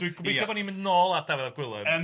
Dwi'n gobeithio bod ni'n mynd nôl at Dafydd ap Gwilym.